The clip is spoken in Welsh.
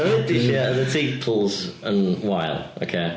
Fel ddudes i ia oedd y teitls yn wael, ocê.